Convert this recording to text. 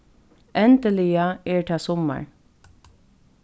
endiliga er tað summar